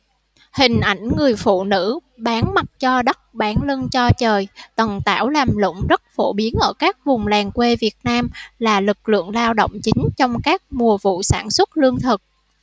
hình ảnh người phụ nữ bán mặt cho đất bán lưng cho trời tần tảo làm lụng rất phổ biến ở các vùng làng quê việt nam là lực lượng lao động chính trong các mùa vụ sản xuất lương thực